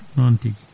noon tigui